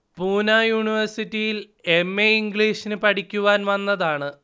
പൂനാ യൂണിവേഴ്സിറ്റിയിൽ M. A ഇംഗ്ലീഷിന് പഠിക്കുവാൻ വന്നതാണ്